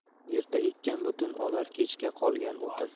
erta ekkan butun olar kechga qolgan o'tin